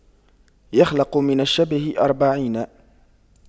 يخلق من الشبه أربعين